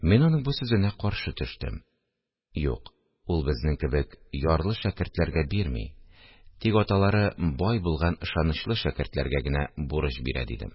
Мин аның бу сүзенә каршы төштем: – Юк, ул безнең кебек ярлы шәкертләргә бирми, тик аталары бай булган ышанычлы шәкертләргә генә бурыч бирә, – дидем